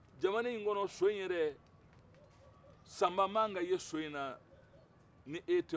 jamana in kɔnɔ so in yɛrɛ sanbaa manka ye so in na n'e tɛ